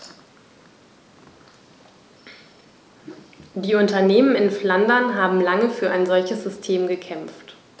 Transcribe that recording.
Die Unternehmen in Flandern haben lange für ein solches System gekämpft.